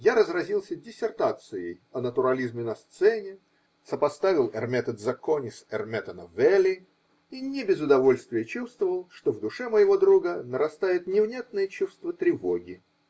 я разразился диссертацией о натурализме на сцене, сопоставил Эрмете Дзаккони с Эрмете Новели и не без удовольствия чувствовал, что в душе моего друга нарастает невнятное чувство тревоги.